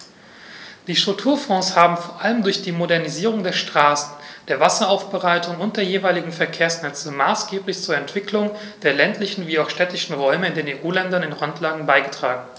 Die Strukturfonds haben vor allem durch die Modernisierung der Straßen, der Wasseraufbereitung und der jeweiligen Verkehrsnetze maßgeblich zur Entwicklung der ländlichen wie auch städtischen Räume in den EU-Ländern in Randlage beigetragen.